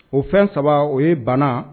O fɛn saba o ye bana